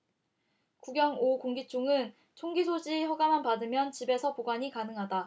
구경 오 공기총은 총기소지 허가만 받으면 집에서 보관이 가능하다